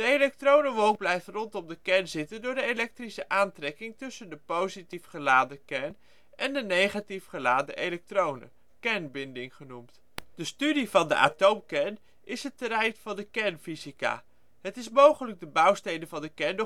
elektronenwolk blijft rondom de kern zitten door de elektrische aantrekking tussen de positief geladen kern en de negatief geladen elektronen, kernbinding genoemd. Een sterk versimpeld beeld van een atoom is gegeven in de bovenstaande illustratie. De studie van de atoomkern is het terrein van de kernfysica. Het is mogelijk de bouwstenen van de kern